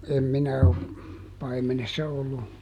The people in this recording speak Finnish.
en minä ole paimenessa ollut